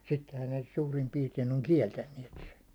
sittenhän ne suurin piirtein on kieltäneet sen